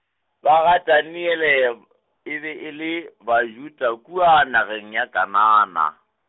ba gaDaniele , e be e le, Bajuda kua nageng ya Kanana.